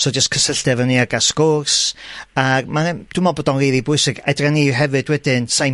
So, jys cysylltu efo ni a gael sgwrs. Ag mae yn... Dwi'n me'wl bod o'n rili bwysig. Adran ni hefyd wedyn sai'n